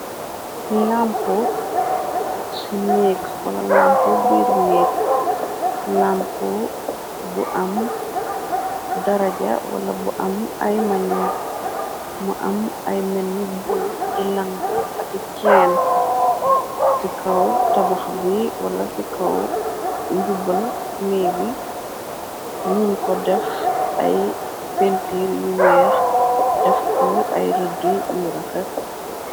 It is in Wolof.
lampo ci neke wala lampu biir neke lampu bu am daraja wala bu am ay manjér mu am lu melni lu bula ak tiene ci kaw tabax bi wala ci kaw njubu neke bi njong ko def ay pentiir yu weex def ko ay rade yu rafét